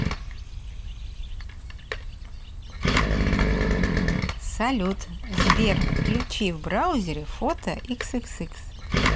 салют сбер включи в браузере фото xxx